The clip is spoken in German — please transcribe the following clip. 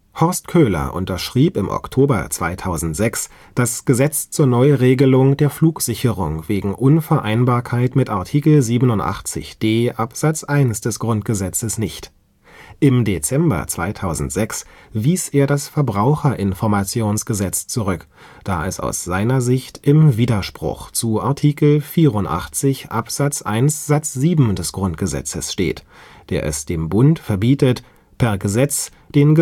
Horst Köhler unterschrieb im Oktober 2006 das Gesetz zur Neuregelung der Flugsicherung wegen Unvereinbarkeit mit Art. 87d Abs. 1 GG nicht. Im Dezember 2006 wies er das Verbraucherinformationsgesetz zurück, da es aus seiner Sicht im Widerspruch zu Art. 84 Abs. 1 Satz 7 GG steht, der es dem Bund verbietet, per Gesetz den